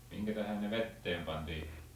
minkä tähden ne veteen pantiin